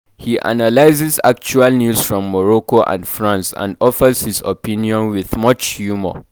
He analyses actual news from Morocco and France and offers his opinion with much humor.